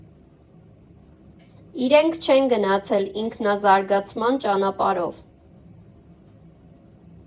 Իրենք չեն գնացել ինքնազարգացման ճանապարհով։